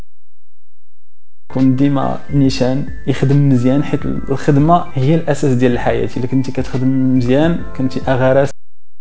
نيسان يخرج من زينها الخدمه غير اسد لحياتي لكن تكتب زين كنت